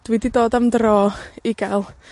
Dwi 'di dod am dro i gael